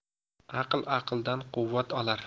aql aqldan quvvat olar